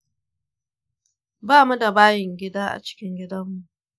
bamu da bayin gida a cikin gidanmu.